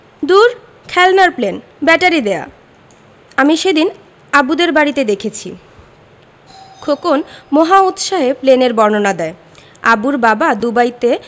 দূর খেলনার plane battery দেয়া আমি সেদিন আবুদের বাড়িতে দেখেছি খোকন মহা উৎসাহে প্লেনের বর্ণনা দেয় আবুর বাবা দুবাইতে